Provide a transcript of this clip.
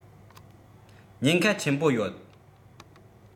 ཉེན ཁ ཆེན པོ ཡོད